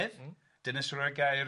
Dyna sy roi gair